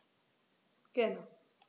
Gerne.